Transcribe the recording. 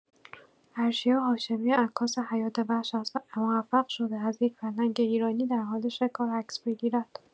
عرشیا هاشمی، عکاس حیات‌وحش است و موفق شده از یک پلنگ ایرانی در حال شکار عکس بگیرد.